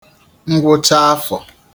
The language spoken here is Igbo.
ngwụchaafọ̀